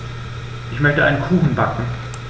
Ich möchte einen Kuchen backen.